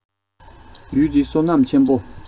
ཡུལ འདི བསོད ནམས ཆེན མོ